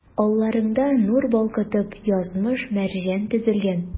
Алларыңда, нур балкытып, язмыш-мәрҗән тезелгән.